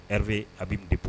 Ɛrive